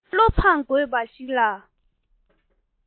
བློ ཕངས དགོས པ ཞིག ལ